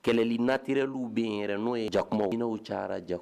Kɛlɛli naturel lu bɛ yen yɛrɛ n'o ye jakumaw n'o ca ja